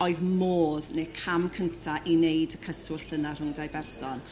oedd modd neu cam cynta' i wneud y cyswllt yna rhwng dau berson.